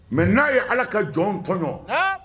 Mɛ n'a ye ala ka jɔn tɔɔn